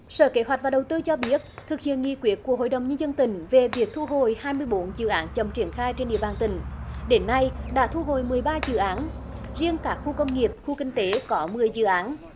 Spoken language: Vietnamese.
sở kế hoạch và đầu tư cho biết thực hiện nghị quyết của hội đồng nhân dân tỉnh về việc thu hồi hai mươi bốn dự án chậm triển khai trên địa bàn tỉnh đến nay đã thu hồi mười ba dự án riêng các khu công nghiệp khu kinh tế có mười dự án